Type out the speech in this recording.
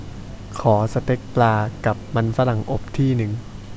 ขอสเต็กปลากับมันฝรั่งอบที่หนึ่ง